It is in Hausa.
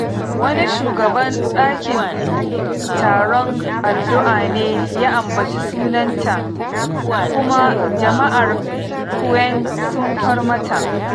Wani shugaban ɗakin taron addu'a ne ya ambaci sunanta kuma jama'ar ƙuyen sun far mata.